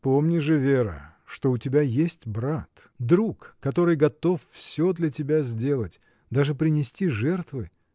— Помни же, Вера, что у тебя есть брат, друг, который готов всё для тебя сделать, даже принести жертвы.